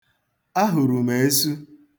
Ahụrụ m esu.